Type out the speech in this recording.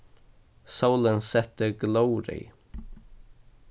sólin setti glóðreyð